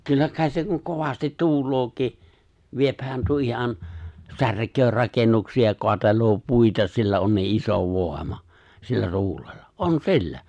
kyllä kai se kun kovasti tuuleekin viehän tuo ihan särkee rakennuksia ja kaatelee puita sillä on niin iso voima sillä tuulella on sillä